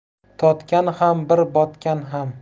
totgan ham bir botgan ham